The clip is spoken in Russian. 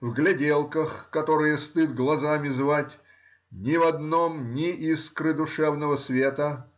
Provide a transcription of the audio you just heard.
в гляделках, которые стыд глазами звать,— ни в одном ни искры душевного света